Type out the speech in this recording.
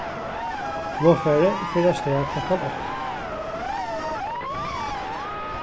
flogfarið fer avstað klokkan átta